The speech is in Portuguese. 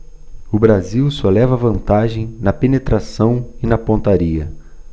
o brasil só leva vantagem na penetração e na pontaria